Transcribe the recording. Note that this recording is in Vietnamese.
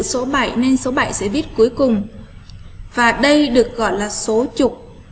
chữ số nên số giờ biết cuối cùng và đây được gọi là số trực